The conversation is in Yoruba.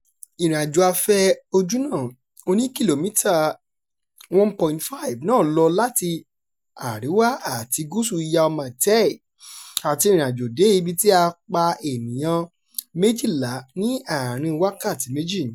Ìrìnàjò afẹ́ ojúnà oní kìlómítà 1.5 náà lọ láti arẹwà àti gúúsù Yau Ma Tei, àti ìrìnàjò dé ibi tí a ti pa ènìyàn 12 ní àárín-in wákàtí méjì.